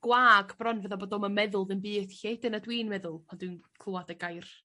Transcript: gwag bron dwi meddwl bod o'm yn meddwl ddim byd felly dyna dwi'n meddwl pan dw'n clŵad y gair.